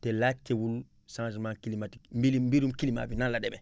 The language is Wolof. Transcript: te laajetewul changement climatique mbirum mbirum climat bi nan la demee